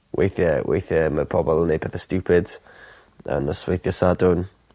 Weithie weithie ma' pobol yn neud pethe stupid yy nosweithie Sadwrn.